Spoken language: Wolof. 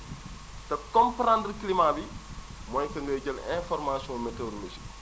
te comprendre climat bi mooy que ngay jël informations métérologiques